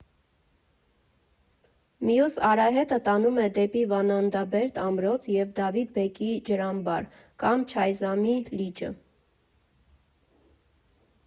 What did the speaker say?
Մյուս արահետը տանում է դեպի Վանանդաբերդ ամրոց և Դավիթ բեկի ջրամբար կամ Չայզամի լիճը։